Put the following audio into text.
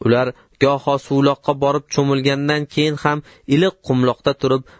ular goho suvdoqqa borib cho'milgandan keyin ham iliq qumloqda turib